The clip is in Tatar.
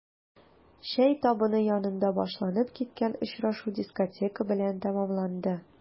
Чәй табыны янында башланып киткән очрашу дискотека белән тәмамланды.